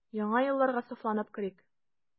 Яңа елларга сафланып керик.